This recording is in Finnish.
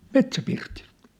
Metsäpirtiltä